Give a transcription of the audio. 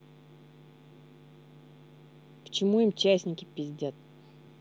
почему им частники пиздят